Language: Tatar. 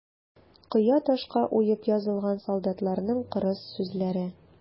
Кыя ташка уеп язылган солдатларның кырыс сүзләре.